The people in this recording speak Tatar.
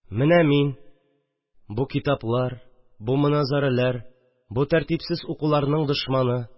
Менә мин – бу китаплар, бу моназарәлэр, бу тәртипсез укуларның дошманы